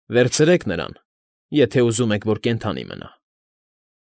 Վերցրեք նրան, եթե ուզում եք, որ կենդանի մնա։